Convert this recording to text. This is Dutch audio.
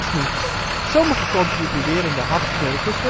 niet. Sommige contribuerende hapsnurkers